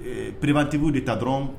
Eee Préventive bɛ taa dɔrɔn